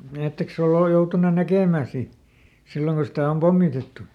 ettekös ole - joutunut näkemään sitten silloin kun sitä on pommitettu